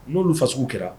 N'olu faso sugu kɛra